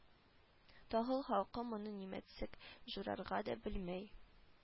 Тагыл халкы моны нимәцек җурарга да белмәй